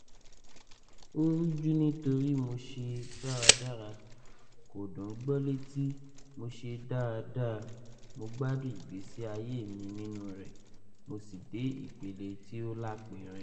O ruju nitori mo ṣe daradara, Kò dùn ùn gbọ́ létí, Mo ṣe dáadáa, mó gbádùn ìgbésí ayé mi nínú rẹ̀, mo si de ipele ti o lapẹrẹ.